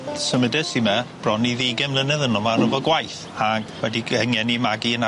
Symudes i 'my bron i ddeugain mlynedd yn nô ma'n efo gwaith ag wedi gy- 'yng ngeni magu yn...